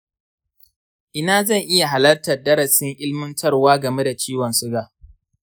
ina zan iya halartar darasin ilmantarwa game da ciwon suga?